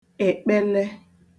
èkpele